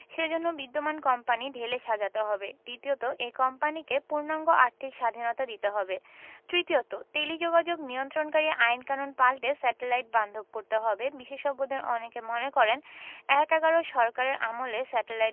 সে জন্য বিদ্যমান কোম্পানি ঢেলে সাজাতে হবে দ্বিতীয়ত এই কোম্পানিকে পূর্ণাঙ্গ আর্থিক স্বাধীনতা দিতে হবে তৃতীয়ত টেলিযোগাযোগ নিয়ন্ত্রণকারী আইনকানুন পাল্টে স্যাটেলাইট বান্ধব করতে হবে বিশেষজ্ঞদের অনেকে মনে করেন এক–এগারোর সরকারের আমলে স্যাটেলাইট